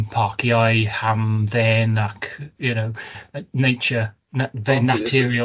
parciau hamdden, ac you know, yy nature na- fe'n naturiol.